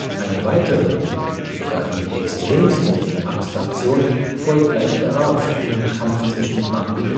Eine weitere – die extremste – Abstraktion folgt gleich darauf im Kampf zwischen Bambi